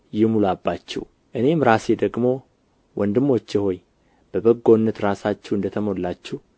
ይሙላባችሁ እኔም ራሴ ደግሞ ወንድሞቼ ሆይ በበጎነት ራሳችሁ እንደ ተሞላችሁ